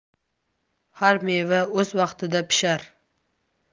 har meva o'z vaqtida pishar